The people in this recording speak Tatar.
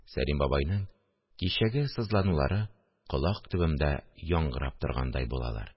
Сәлим бабайның кичәге сызланулары колак төбемдә яңгырап торгандай булалар